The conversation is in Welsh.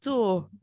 Do.